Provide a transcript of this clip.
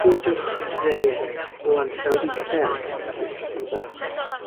Bwydwch ddiet o ansawdd uchel i'ch ci bach.